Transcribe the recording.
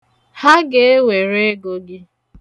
Ha ga-ewere ego gị.